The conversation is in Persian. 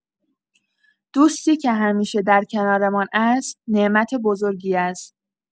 دوستی که همیشه در کنارمان است، نعمت بزرگی است.